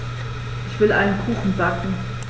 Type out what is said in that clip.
Ich will einen Kuchen backen.